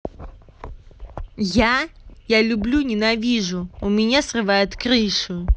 я я люблю ненавижу у меня срывает крышу